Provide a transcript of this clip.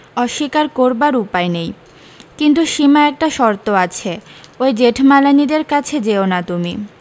অস্বীকার করবার উপায় নেই কিন্তু সীমা একটা শর্ত আছে ওই জেঠমালানিদের কাছে যেওনা তুমি